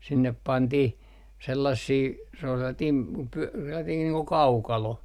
sinne pantiin sellaisia se oli sellainen -- sellainen niin kuin kaukalo